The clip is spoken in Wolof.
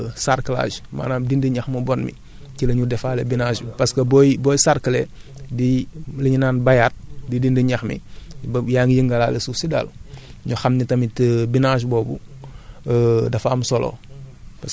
mais binage boobu noonu en général ñun suñu baykat yi bu ñu def sarclage maanaam dindi ñax mu bon mi ci la ñu defaale binage parce que booy booy sarcler di li ñu naan bayaat di dindi ñax mi boobu yaa ngi yëngalaale suuf si daal